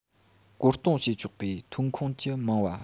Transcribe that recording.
བཀོད གཏོང བྱས ཆོག པའི ཐོན ཁུངས ཀྱི མང བ